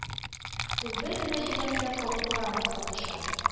Ә ул бер генә җиләк тә кабып карамаска куша,